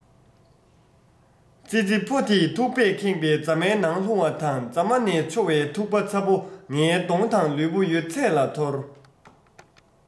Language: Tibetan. ཙི ཙི ཕོ དེ ཐུག པས ཁེངས པའི རྫ མའི ནང ལྷུང བ དང རྫ མ ནས འཕྱོ བའི ཐུག པ ཚ པོ ངའི གདོང དང ལུས པོ ཡོད ཚད ལ ཐོར